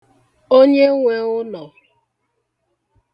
onyenwē ụnọ̀